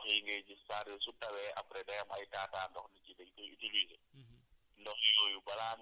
léeg-léeg taa taa ndox yi ngay gis c' est à dire su tawee après day am ay taa taa ndox nit ñi dañ koy utiliser